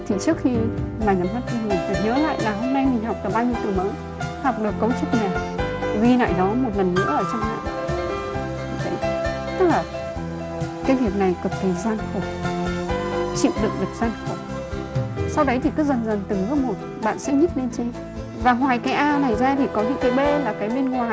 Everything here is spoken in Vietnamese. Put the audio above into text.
thì trước khi mà nhắm mắt đi ngủ phải nhớ lại là hôm nay mình học được bao nhiêu từ mới học được cấu trúc nào ghi lại nó một lần nữa ở trong não tức là cái việc này cực kỳ gian khổ chịu đựng được gian khổ sau đấy cứ dần dần từng bước một bạn sẽ nhích lên trên và ngoài cái a này ra thì có những cái bê là cái bên ngoài